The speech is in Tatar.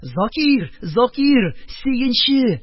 Закир! Закир! Сөенче!